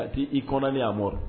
Kati i kɔnɔ ne a mɔgɔ